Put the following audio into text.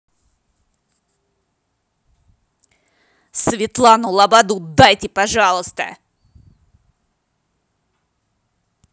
светлану лободу дайте пожалуйста